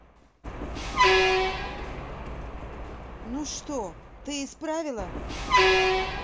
ну что ты исправила